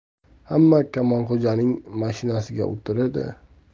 hamma kamolxo'janing mashinasiga o'tirdi